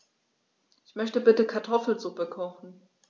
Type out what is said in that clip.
Ich möchte bitte Kartoffelsuppe kochen.